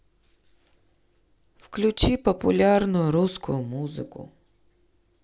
включи популярную русскую музыку